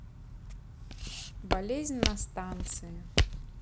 болезнь на станции